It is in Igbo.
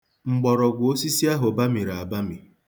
Mgbọrọgwụ osisi ahụ bamiri abami.